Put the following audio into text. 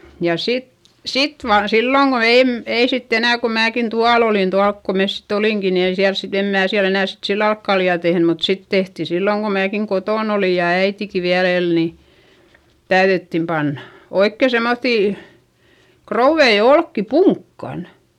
ja sitten sitten vain silloin kun en ei sitten enää kun minäkin tuolla olin tuolla kun me sitten olimmekin niin ei siellä sitten en minä siellä enää sitten sillä lailla ole kaljaa tehnyt mutta sitten tehtiin silloin kun minäkin kotona olin ja äitikin vielä eli niin täydyttiin panna oikein semmoisia krouveja olkia punkkaan